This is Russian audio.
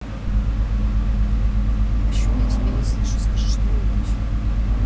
почему я тебя не слышу скажи что нибудь